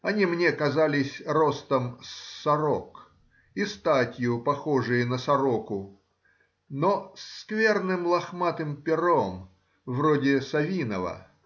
они мне казались ростом с сорок и статью похожие на сороку, но с скверным лохматым пером, вроде совиного.